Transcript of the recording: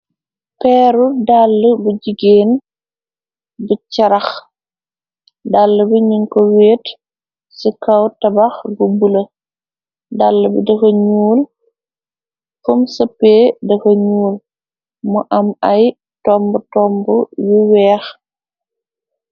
Peeru dàll bu jigéen bu charax. Dall bi nin ko weet ci kaw tabax gu bula. Dall bi daka ñuul fom se p daka ñuul mu am ay tomb tomb yu weex.